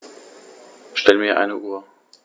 Stell mir eine Uhr.